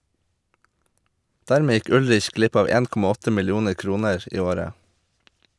Dermed gikk Ullrich glipp av 1,8 millioner kroner i året.